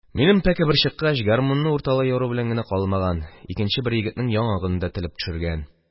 Минем пәке, бер чыккач, гармунны урталай яру белән генә калмаган, икенче бер егетнең яңагын да телеп төшергән.